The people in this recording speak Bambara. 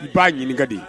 I b'a ɲininka de